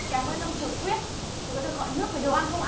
cảm ơn ông chủ quyết thế có được gọi nước với đồ ăn không ạ